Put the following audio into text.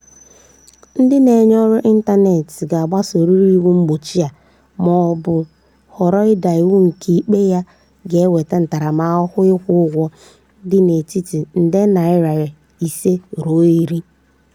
Ndị na-enye ọrụ ịntaneetị ga-agbasorịrị iwu mgbochi a ma ọ bụ họrọ ịda iwu nke ikpe ya ga-eweta ntaramahụhụ ịkwụ ụgwọ dị n'etiti nde naira 5 ruo 10.